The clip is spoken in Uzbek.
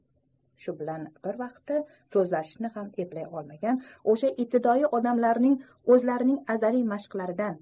shu bilan bir vaqtda so'zlashishni ham eplay olmagan o'sha ibtidoiy odamlarning o'zlarining azaliy mashqlaridan